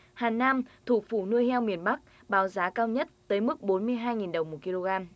hà nam thủ phủ nuôi heo miền bắc báo giá cao nhất tới mức bốn mươi hai nghìn đồng một ki lô gam